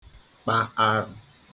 kpa arụ̄